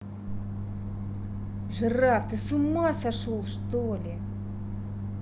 жираф ты с ума сошел что ли